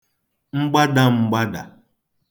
mgbadam̄gbādà